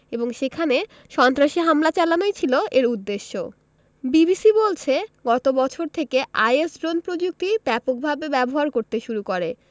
এবং সেখানে সন্ত্রাসী হামলা চালানোই ছিল এর উদ্দেশ্য বিবিসি বলছে গত বছর থেকে আইএস ড্রোন প্রযুক্তি ব্যাপকভাবে ব্যবহার করতে শুরু করে